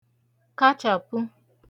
kachàpụ